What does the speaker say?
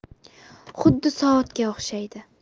xuddi soatga o'xshaydi